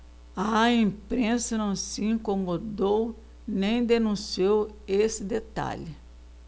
a imprensa não se incomodou nem denunciou esse detalhe